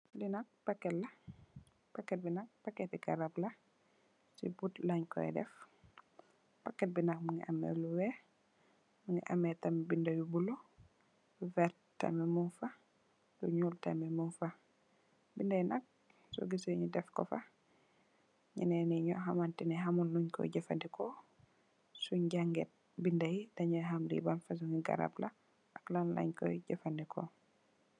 Le nak parket la parket bi nak partety gaarap la si bot len ko daft parket bi nak mu née ham lu weex mu née hamitamip binda bu bulu lu werty tamit mun fa lu nuu tamit mun fa binda lan mu ta nutaf ku fa neene nu hamiteh hamot lun ku gifindeku sun gangia binda yei de nui ham le ban pasuny gaarap la ak lan len ku gefindiku